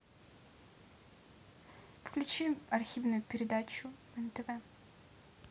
включи архивную передачу нтв